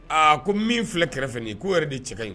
Aa ko min filɛ kɛrɛfɛ nin ye k' yɛrɛ de cɛ ka ɲi